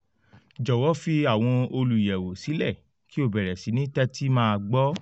Jọ̀wọ́ fi àwọn olùyẹ̀wò sílẹ̀ kí o bẹ̀rẹ̀ sí ní tẹ́tí máa gbọ.'